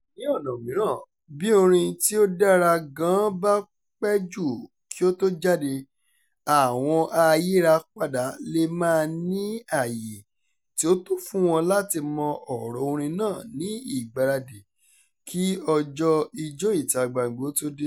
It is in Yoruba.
Ní ọ̀nà mìíràn, bí orin tí ó dára gan-an bá pẹ́ jù kí ó tó jáde, àwọn ayírapadà lè máà ní àyè tí ó tó fún wọn láti mọ ọ̀rọ̀ orin náà ní ìgbáradì kí ọjọ́ Ijó ìta-gbangba ó tó dé.